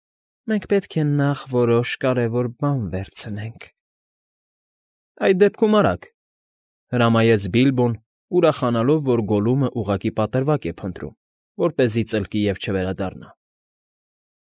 Մենք պետք է ն֊ն֊նախ որոշ֊շ֊շ կարևոր բան վերցնենք։ ֊ Այդ դեպքում՝ արագ,֊ հրամայեց Բիլբոն, ուրախանալով, որ Գոլլումն ուղղակի պատրվակ է փնտրում, որպեսզի ծլկի և չվերադառնա։